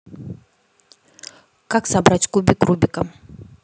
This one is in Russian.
как собрать кубик рубика